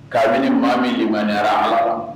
Kabini maa minliyara a wa